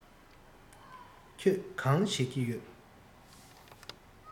ཁྱོད གང བྱེད ཀྱི ཡོད